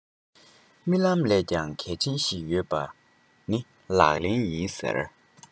རྨི ལམ ལས ཀྱང གལ ཆེན ཞིག ཡོད པ ནི ལག ལེན ཡིན ཟེར